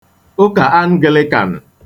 Ụkà Anglịkan